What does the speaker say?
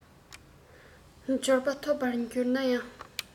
འབྱོར པ ཐོབ པར གྱུར ན ཡང